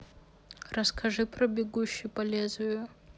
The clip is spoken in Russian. расскажи про бегущий по лезвию